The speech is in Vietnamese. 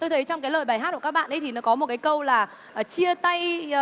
tôi thấy trong cái lời bài hát của các bạn ý thì nó có một cái câu là chia tay